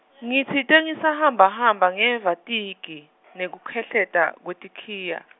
ngitsite ngisahambahamba ngeva tigi, nekukhehleta kwetikhiya.